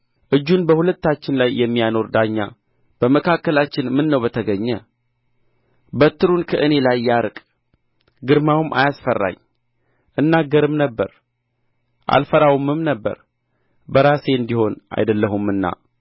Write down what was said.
እጁን በሁለታችን ላይ የሚያኖር ዳኛ በመካከላችን ምነው በተገኘ በትሩን ከእኔ ላይ ያርቅ ግርማውም አያስፈራኝ እናገርም ነበር አልፈራውምም ነበር በራሴ እንዲህ አይደለሁምና